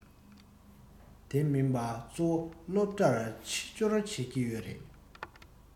དེ མིན པ གཙོ བོ སློབ གྲྭར ཕྱི འབྱོར བྱེད ཀྱི ཡོད རེད